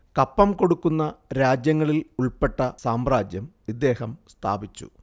കപ്പം കൊടുക്കുന്ന രാജ്യങ്ങളില്‍ ഉൾപ്പെട്ട സാമ്രാജ്യം ഇദ്ദേഹം സ്ഥാപിച്ചു